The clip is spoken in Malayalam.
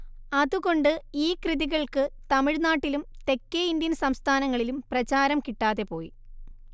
അതുകൊണ്ട് ഈ കൃതികൾക്ക് തമിഴ്‌നാട്ടിലും തെക്കേ ഇന്ത്യൻ സംസ്ഥാനങ്ങളിലും പ്രചാരം കിട്ടാതെപോയി